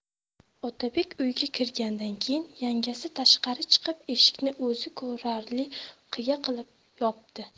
otabek uyga kirgandan keyin yangasi tashqari chiqib eshikni o'zi ko'rarli qiya qilib yopdi